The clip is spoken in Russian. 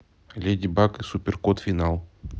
леди баг и супер кот финал